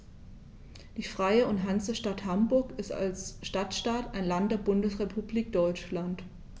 Die Freie und Hansestadt Hamburg ist als Stadtstaat ein Land der Bundesrepublik Deutschland.